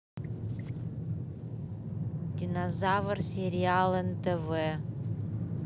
динозавр сериал нтв